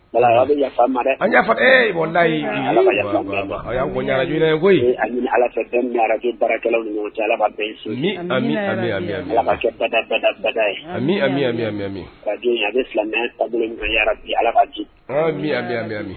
Ala yafa a ni ala araj barakɛlaw ka filaji ala